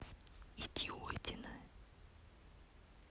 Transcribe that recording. идиотина